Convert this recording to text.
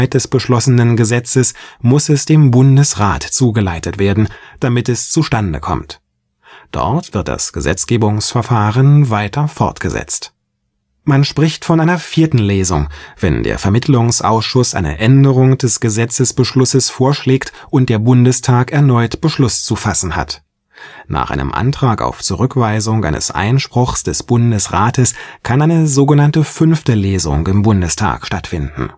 des beschlossenen Gesetzes muss es dem Bundesrat zugeleitet werden, damit es zustande kommt. Dort wird das Gesetzgebungsverfahren weiter fortgesetzt. Man spricht von einer „ vierten Lesung “, wenn der Vermittlungsausschuss eine Änderung des Gesetzesbeschlusses vorschlägt und der Bundestag erneut Beschluss zu fassen hat. Nach einem Antrag auf Zurückweisung eines Einspruchs des Bundesrates kann eine so genannte „ fünfte Lesung “im Bundestag stattfinden